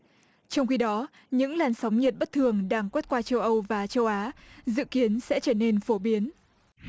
trong khi đó những làn sóng nhiệt bất thường đang quét qua châu âu và châu á dự kiến sẽ trở nên phổ biến